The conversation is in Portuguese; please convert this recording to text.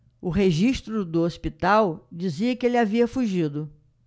o registro do hospital dizia que ele havia fugido